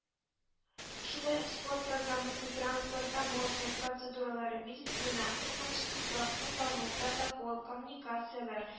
Шулай ук спорт программасы, транспорт, таможня процедуралары, медицина, куркынычсызлык, туклану, протокол, коммуникацияләр